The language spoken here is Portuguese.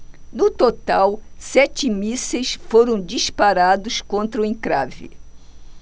no total sete mísseis foram disparados contra o encrave